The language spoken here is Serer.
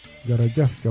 jerajef